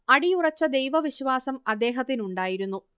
അടിയുറച്ച ദൈവവിശ്വാസം അദ്ദേഹത്തിനുണ്ടായിരുന്നു